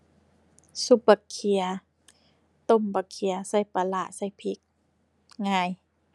ซุบบักเขือ ต้มบักเขือใส่ปลาร้าใส่พริก ง่าย